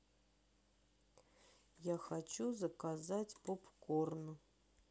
я хочу заказать попкорн